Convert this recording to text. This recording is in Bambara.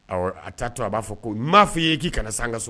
Awɔ a taa tɔ a b'a fɔ ko n m'a f'i ye k'i kana se an ka so